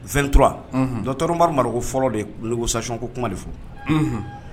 23 docteur Umaru Mariko fɔlɔ de ye négociation ko kuma in fɔ